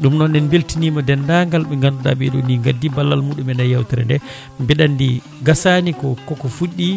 ɗum noon en beltinima dendagal ɓe ganduɗa ɓeeɗo ni gaddi ballal muɗumen e yewtere nde ɓeɗa andi gasani koko fuɗɗi